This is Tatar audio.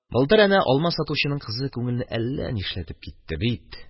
Былтыр әнә алма сатучының кызы күңелне әллә нишләтеп китте бит.